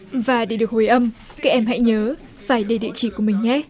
và để được hồi âm các em hãy nhớ phải để địa chỉ của mình nhé